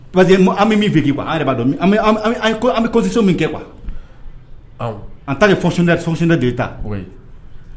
Parce que ami bɛ min fɛ kuwa a b'a dɔn an bɛ kɔsiso min kɛ wa an taa sinda de ta